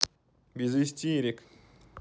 без истерик